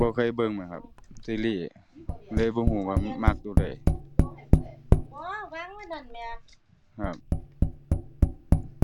บ่เคยเบิ่งแหมครับ ซีรีส์ เลยบ่รู้ว่ามักรู้ใด ครับ